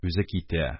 Үзе китә.